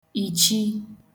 ìchi